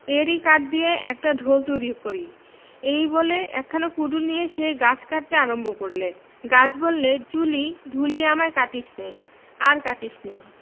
এরই কাঠ দিয়ে একটা ঢোল তৈরি করি এই বলে একখানা কুডুল নিয়ে সেই গাছ কাটতে আরম্ভ করলে গাছ বললে চুলি ঢুলি আমায় কাটিসনে আর কাটিসনে